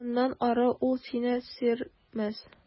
Моннан ары ул сине сөрмәс.